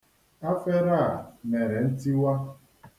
Efere a mere ntiwa.